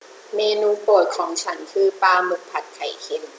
เมนูโปรดของฉันคือปลาหมึกผัดไข่เค็ม